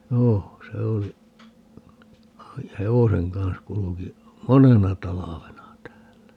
joo se oli oli hevosen kanssa kulki monena talvena täällä